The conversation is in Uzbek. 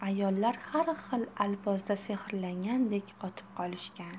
ayollar har xil alpozda sehrlangandek qotib qolishgan